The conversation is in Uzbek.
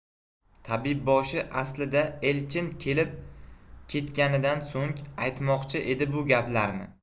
tabibboshi aslida elchin kelib ketganidan so'ng aytmoqchi edi bu gaplarni